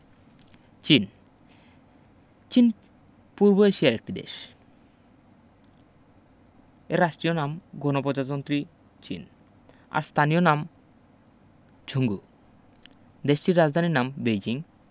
চীন চীন পূর্ব এশিয়ার একটি দেশ এর রাষ্টীয় নাম গণপজাতন্ত্রী চীন আর স্থানীয় নাম ঝুংঘু দেশটির রাজধানীর নাম বেইজিং